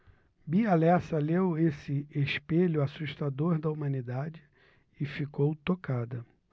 bia lessa leu esse espelho assustador da humanidade e ficou tocada